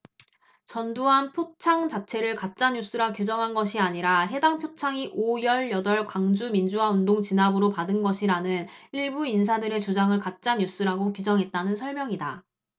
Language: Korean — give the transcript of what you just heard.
전두환 표창 자체를 가짜 뉴스라 규정한 것이 아니라 해당 표창이 오 열 여덟 광주민주화 운동 진압으로 받은 것이라는 일부 인사들의 주장을 가짜 뉴스라고 규정했다는 설명이다